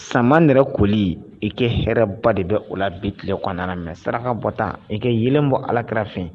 Sama yɛrɛ koli i ka hɛrɛba de bɛ o la bi tile kɔnɔna mɛ saraka bɔ tan i ka yenlen bɔ alakirafe